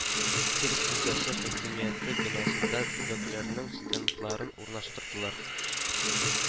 Киров өлкәсе Хакимияте бинасында төбәкләрнең стендларын урнаштырдылар